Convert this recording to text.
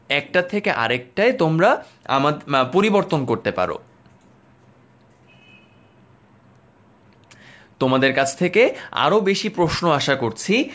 একটা থেকে আরেকটায় তোমরা পরিবর্তন করতে পারো তোমাদের কাছ থেকে আরও বেশি প্রশ্ন আশা করছি